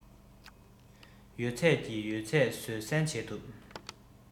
ཡོད ཚད ཀྱི ཡོད ཚད བཟོད བསྲན བྱེད ཐུབ